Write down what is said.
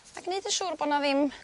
a gneud yn siŵr bo' na ddim